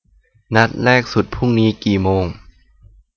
นัดแรกสุดพรุ่งนี้กี่โมง